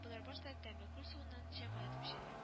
Болар башта тәмле күл суыннан чәй кайнатып эчәләр